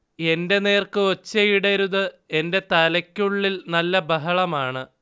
എന്റെ നേർക്ക് ഒച്ചയിടരുത് എന്റെ തലയ്ക്കുള്ളിൽ നല്ല ബഹളമാണ്